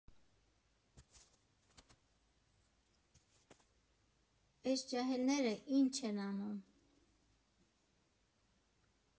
Էս ջահելները ի՜նչ են անում։